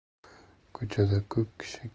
ko'chada ko'p kishi